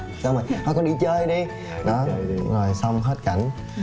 xong rồi thôi con đi chơi đi đó rồi xong hết cảnh